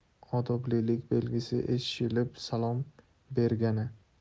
odoblilik belgisi eshilib salom bergani